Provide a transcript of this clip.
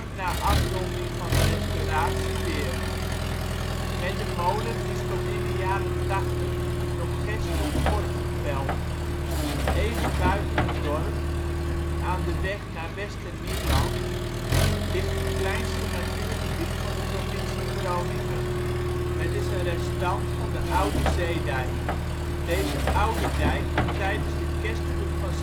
na afronding van de restauratie weer. Met de molen is tot in de jaren ' 80 nog gerst tot gort gepeld. Even buiten het dorp, aan de weg naar Westernieland ligt het kleinste natuurgebied van de provincie Groningen. Het is een restant van de oude zeedijk. Deze oude dijk kon tijdens de Kerstvloed van